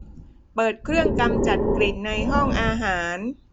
เปิดเครื่องกำจัดกลิ่นในห้องอาหาร